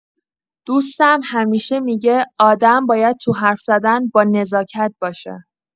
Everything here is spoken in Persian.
دوستم همیشه می‌گه آدم باید تو حرف‌زدن با نزاکت باشه.